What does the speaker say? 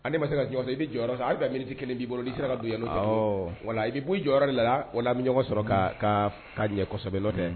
Ale ma se ka jɔn sɔrɔ i bɛ jɔ a bɛ miniti kelen b' bolo n ii sera ka dony wala i bɛ bɔ jɔyɔrɔ de la wala bɛ ɲɔgɔn sɔrɔ ka ka ka diɲɛ kosɛbɛbɛ tɛ